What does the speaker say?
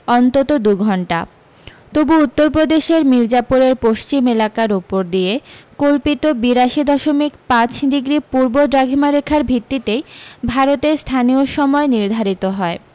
অন্তত দু ঘণ্টা তবু উত্তরপ্রদেশের মির্জাপুরের পশ্চিম এলাকার উপর দিয়ে কল্পিত বিরাশি দশমিক পাঁচ ডিগ্রী পূর্ব দ্রাঘিমারেখার ভিত্তিতেই ভারতের স্থানীয় সময় নির্ধারিত হয়